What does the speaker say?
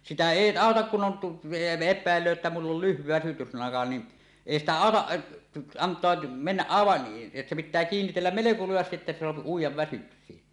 sitä ei auta kun on - epäillee että minulla oli lyhyt väsytyslanka niin ei sitä auta - antaa mennä aivan se pitää kiinnitellä melko lujasti että se saa uida väsyksiin